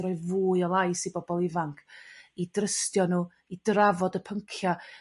i roi fwy o lais i bobol ifanc. I drystio nhw. I drafod y pyncia'